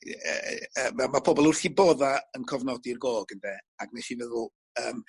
ie yy yy yy m'e ma' pobol wrth 'u bodda yn cofnodi'r gog ynde ag nesh i meddwl yym